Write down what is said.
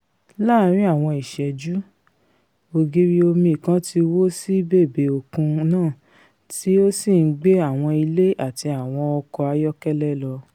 Láàrin àwọn ìṣẹ́jú ògiri omi kan wó sí bèbè òkun náà, tí ó sì ńgbé àwọn ilé àti àwọn ọkọ ayọ́kẹ́lẹ́ lọ.